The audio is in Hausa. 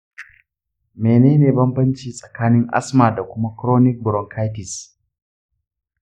menene banbanci tsakanin asthma da kuma chronic bronchitis